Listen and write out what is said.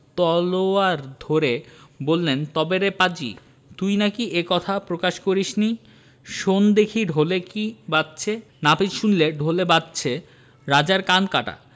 তরোয়াল ধরে বললেন– তবে রে পাজি তুই নাকি এ কথা প্রকাশ করিসনি শোন দেখি ঢোলে কী বাজছে নাপিত শুনলে ঢোলে বাজছে ‘রাজার কান কাটা